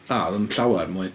A doedd o ddim llawer mwy.